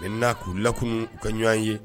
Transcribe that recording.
I n'a k'u lakun ka ɲɔgɔn ye